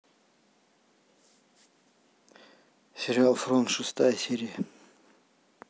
сериал фронт шестая серия